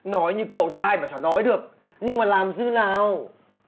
nói như cậu thì ai mà chả nói được nhưng mà làm dư nào